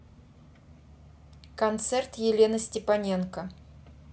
концерт елены степаненко